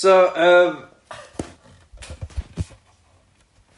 So yym...